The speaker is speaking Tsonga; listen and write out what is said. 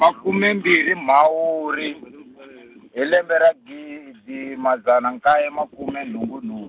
makume mbirhi Mhawuri, hi lembe ra gidi madzana nkaye makume nhungu nhung-.